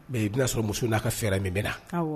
Mais i ben'a sɔrɔ muso n'a ka fɛɛrɛ min bɛna awɔ